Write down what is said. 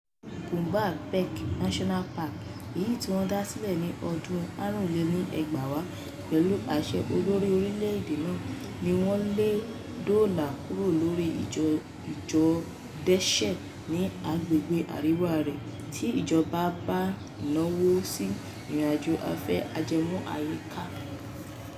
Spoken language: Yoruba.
Boumba Bek National Park, èyí tí wọ́n dá sílẹ̀ ní ọdún 2005 pẹ̀lú àṣẹ Olórí Orílẹ̀ èdè náà, ni wọ́n le dóòlà kúrò lọ́wọ́ ìjíọdẹṣe ní agbègbè àríwá rẹ̀ tí ìjọba bá náwó sí ìrìn àjò afé ajẹmọ́ àyíká.